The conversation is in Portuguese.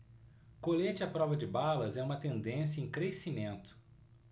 colete à prova de balas é uma tendência em crescimento